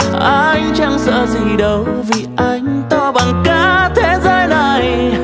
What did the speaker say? anh chẳng sợ gì đâu vì anh to bằng cả thế giới này